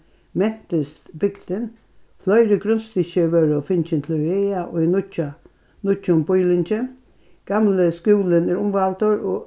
mentist bygdin fleiri grundstykki vórðu fingin til vega í nýggja nýggjum býlingi gamli skúlin er umvældur og